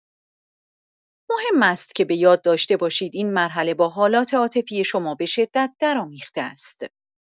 مهم است که بۀاد داشته باشید این مرحله با حالات عاطفی شما به‌شدت درآمیخته است.